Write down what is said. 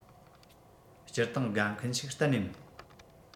སྤྱིར བཏང དགའ མཁན ཞིག གཏན ནས མིན